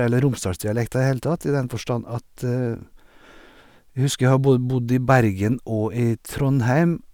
Eller Romsdals-dialekta i hele tatt, i den forstand at jeg husker jeg har bo bodd i Bergen og i Trondheim.